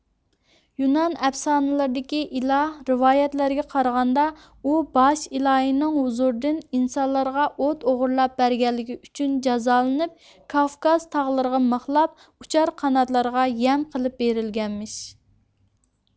يۇنان ئەپسانىلىرىدىكى ئىلاھ رىۋايەتلەرگە قارىغاندا ئۇ باش ئىلاھىنىڭ ھۇزۇرىدىن ئىنسانلارغا ئوت ئوغىرلاپ بەرگەنلىكى ئۈچۈن جازالىنىپ كافكاز تاغلىرىغا مىخلاپ ئۇچار قاناتلارغا يەم قىلىپ بېرىلگەنمىش